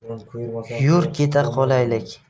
yur keta qolaylik